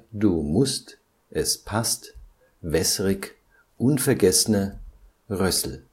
du) mußt, (es) paßt, wäßrig, unvergeßne, Rößl